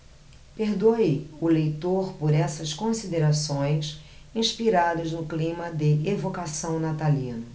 perdoe o leitor por essas considerações inspiradas no clima de evocação natalino